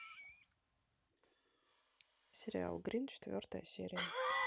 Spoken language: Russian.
сериал грин четвертая серия